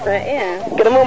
ana njega kam fe